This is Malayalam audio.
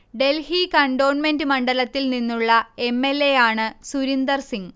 ഡൽഹി കണ്ടോൺമെന്ര് മണ്ഡലത്തിൽ നിന്നുള്ള എം. എൽ. എ യാണ് സുരിന്ദർ സിങ്